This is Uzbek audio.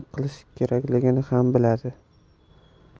nima qilish kerakligini ham biladi